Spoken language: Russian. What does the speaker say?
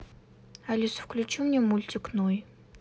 алиса включи мне мультик ной